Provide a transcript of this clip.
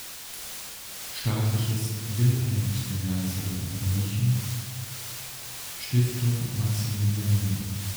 Staatliches Wilhelmsgymnasium München (Humanistisches Gymnasium) Stiftung Maximilianeum